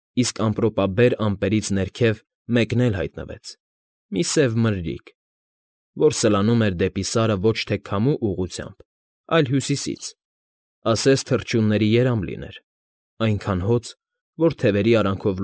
Իսկ ամպրոպաբեր ամպերից ներքև մեկն էլ հայտնվեց, մի սև մրրիկ, որ սլանում էր դեպի Սարը ոչ թե քամու ուղղությամբ, այլ հյուսիսից, ասես թռչունների երամ լիներ, այնքան հոծ, որ թևերի արանքով։